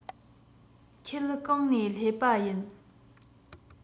ཁྱེད གང ནས སླེབས པ ཡིན